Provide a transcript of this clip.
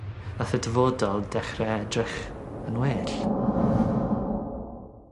Nath y dyfodol dechre edrych yn well.